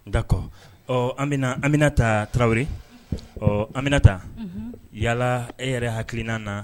D'accord ɔ an bɛna Aminata Tarawele, ɔ Aminata, unhun, yala e yɛrɛ hakilina na